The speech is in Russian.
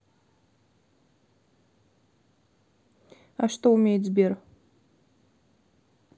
а что умеет сбер